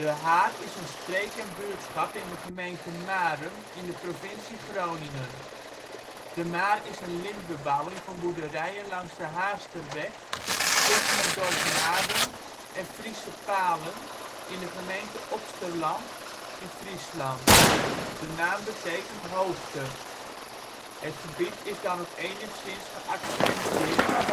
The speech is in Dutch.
Haar is een streek en een buurtschap in de gemeente Marum in de provincie Groningen. De Haar is een lintbebouwing van boerderijen langs de Haarsterweg, tussen het dorp Marum en Frieschepalen in de gemeente Opsterland (Friesland). De naam betekent hoogte. Het gebied is dan ook enigszins geaccidenteerd